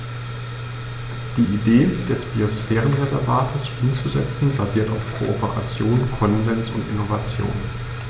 Die Idee des Biosphärenreservates umzusetzen, basiert auf Kooperation, Konsens und Innovation.